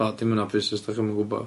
Wel, 'di o'm yn apus os 'dach chi'm yn gwbo.